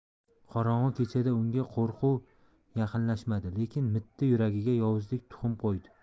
qorong'i kechada unga qo'rquv yaqinlashmadi lekin mitti yuragiga yovuzlik tuxum qo'ydi